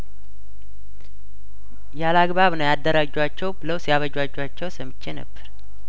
ያለአግባብ ነው ያደራጇቸው ብለው ሲያበጃጇቸው ሰምቼ ነበር